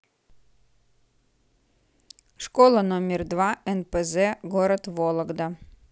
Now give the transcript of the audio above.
школа номер два нпз город вологда